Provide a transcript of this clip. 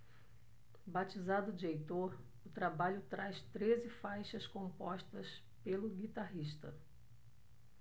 batizado de heitor o trabalho traz treze faixas compostas pelo guitarrista